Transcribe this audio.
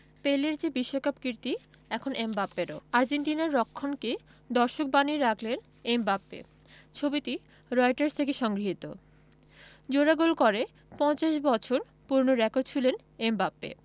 পেলের যে বিশ্বকাপ কীর্তি এখন এমবাপ্পেরও আর্জেন্টিনার রক্ষণকে দর্শক বানিয়ে রাখলেন এমবাপ্পে ছবিটি রয়টার্স থেকে সংগৃহীত জোড়া গোল করে ৫০ বছর পুরোনো রেকর্ড ছুঁলেন এমবাপ্পে